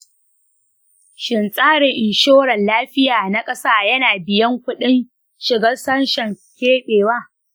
shin tsarin inshorar lafiya na ƙasa yana biyan kuɗin shigar sashen keɓewa ?